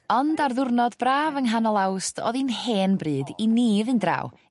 Ond ar ddiwrnod braf yng nghanol Awst o'dd 'i'n hen bryd i ni fynd draw